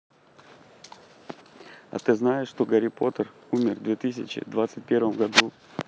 а ты знаешь что гарри поттер умер две тысячи двадцать первом году